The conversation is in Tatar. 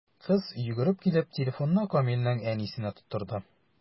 Кыз, йөгереп килеп, телефонны Камилнең әнисенә тоттырды.